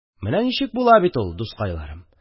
Менә ничек була бит ул, дускайларым.